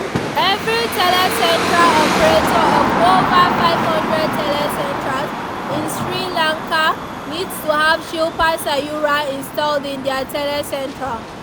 Every telecentre operator of over 500 telecentres in Sri Lanka needs to have Shilpa Sayura installed in their telecentre.